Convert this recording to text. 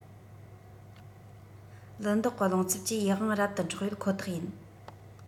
ལི མདོག གི རླུང འཚུབ ཀྱིས ཡིད དབང རབ ཏུ འཕྲོག ཡོད ཁོ ཐག ཡིན